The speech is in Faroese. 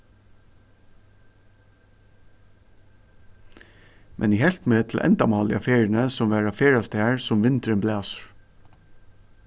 men eg helt meg til endamálið á ferðini sum var at ferðast har sum vindurin blæsur